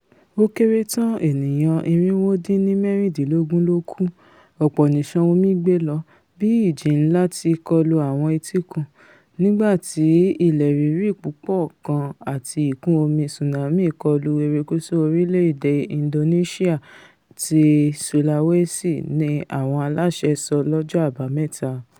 Ó kéré tán ènìyàn irinwó-dínní-mẹ́rindínlógún ló kú, ọ̀pọ̀ nísàn omi gbé lọ bí ìjì ńlá ti kọlu àwọn etíkun. nígbàti ilẹ̀ rírì púpọ̀ kan àti ìkún-omi tsunami kọlu erékùsù orílẹ̀-èdè Indonesia ti Sulawesi, ni àwọn aláṣẹ sọ lọ́jọ́ Àbamẹ́ta.